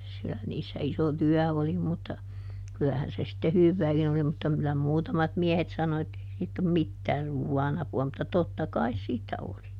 kyllä niissä iso työ oli mutta kyllähän se sitten hyvääkin oli mutta kyllä muutamat miehet sanoi että ei siitä ole mitään ruoan apua mutta totta kai siitä oli